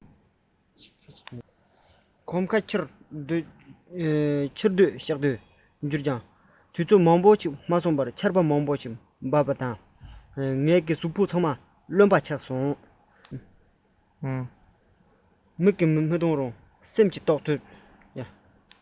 གོམ ཁ ཕྱིར སྡོད ཤག ཏུ བསྒྱུར ཅང མ འགོར པར དྲག ཆར ཟོ ཁས བྱོ བ བཞིན ཤག སེར བབས པ སྐད ཅིག ཉིད ལ ངའི ལུས ཡོངས བརླན ཤིག ཤིག ཏུ བཏང སྐྱེད ཚལ གྱི གླིང གའི མེ ཏོག ཟེའུ འབྲུ དང འདབ མ ཐར ཐོར དུ གཏོར བ མིག གིས མི མཐོང རུང སེམས ཀྱིས རྟོགས ཐུབ